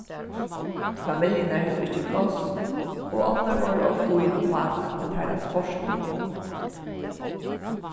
familjurnar høvdu ikki pláss og onnur vóru ov fín upp á tað við teirra sportbilum